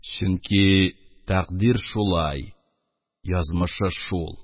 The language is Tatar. Чөнки тәкъдир шулай, язмышы шул!